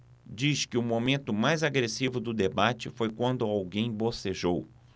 diz que o momento mais agressivo do debate foi quando alguém bocejou